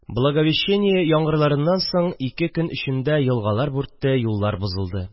Благовещение яңгырларыннан соң ике көн эчендә елгалар бүртте, юллар бозылды